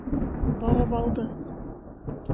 Барып алды.